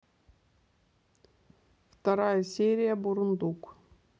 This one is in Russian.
вторая серия бурундук